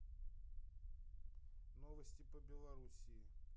новости по белоруссии